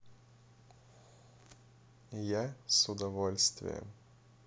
я с удовольствием